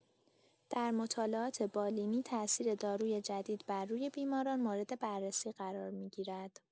در مطالعات بالینی، تأثیر داروی جدید بر روی بیماران مورد بررسی قرار می‌گیرد.